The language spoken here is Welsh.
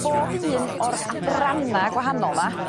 bob un o'r adranna gwahanol 'ma